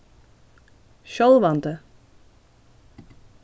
sjálvandi